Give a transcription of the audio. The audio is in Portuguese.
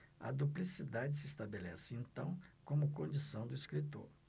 a duplicidade se estabelece então como condição do escritor